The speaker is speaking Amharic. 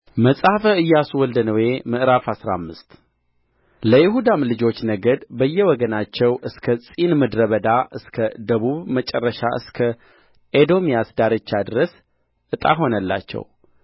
መጽሐፈ ኢያሱ ወልደ ነዌ ምዕራፍ አስራ አምስት ለይሁዳም ልጆች ነገድ በየወገናቸው እስከ ጺን ምድረ በዳ እስከ ደቡብ መጨረሻ እስከ ኤዶምያስ ዳርቻ ድረስ ዕጣ ሆነላቸው